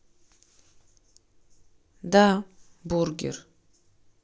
да бургер